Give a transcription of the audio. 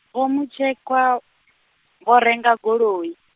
Vho Mutshekwa, vho renga goloi.